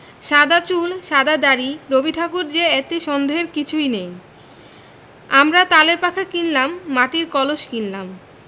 সাদা চুল সাদা দাড়ি রবিঠাকুর যে এতে সন্দেহের কিছুই নেই আমরা তালের পাখা কিনলাম মার্টির কলস কিনলাম